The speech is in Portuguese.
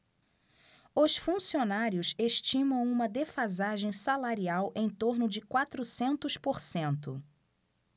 os funcionários estimam uma defasagem salarial em torno de quatrocentos por cento